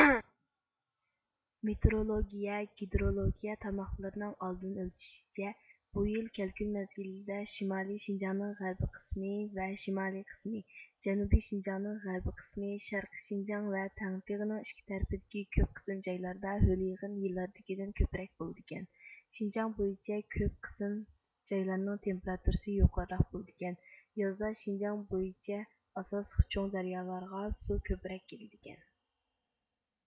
مېتېئورولوگىيە گېدرولوگىيە تارماقلىرىنىڭ ئالدىن ئۆلچىشىچە بۇ يىل كەلكۈن مەزگىلىدە شىمالىي شىنجاڭنىڭ غەربىي قىسمى ۋە شىمالىي قىسمى جەنۇبىي شىنجاڭنىڭ غەربىي قىسمى شەرقىي شىنجاڭ ۋە تەڭرىتېغىنىڭ ئىككى تەرىپىدىكى كۆپ قىسىم جايلاردا ھۆل يېغىن يىللاردىكىدىن كۆپرەك بولىدىكەن شىنجاڭ بويىچە كۆپ قىسىم جايلارنىڭ تېمپېراتۇرىسى يۇقىرىراق بولىدىكەن يازدا شىنجاڭ بويىچە ئاساسلىق چوڭ دەريالارغا سۇ كۆپرەك كېلىدىكەن